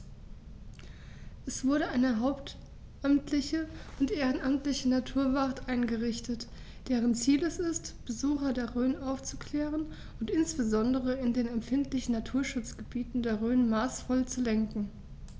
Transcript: Es wurde eine hauptamtliche und ehrenamtliche Naturwacht eingerichtet, deren Ziel es ist, Besucher der Rhön aufzuklären und insbesondere in den empfindlichen Naturschutzgebieten der Rhön maßvoll zu lenken.